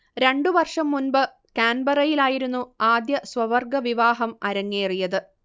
രണ്ടു വർഷം മുമ്പ് കാൻബറയിലായിരുന്നു ആദ്യ സ്വവർഗ വിവാഹം അരങ്ങേറിയത്